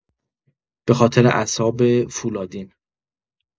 به‌خاطر اعصاب فولادین